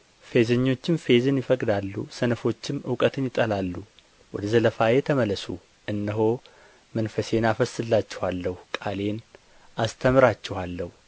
ፌዘኞችም ፌዝን ይፈቅዳሉ ሰነፎችም እውቀትን ይጠላሉ ወደ ዘለፋዬ ተመለሱ እነሆ መንፈሴን አፈስስላችኋለሁ ቃሌን አስተምራችኋለሁ